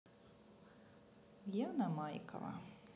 яна майкова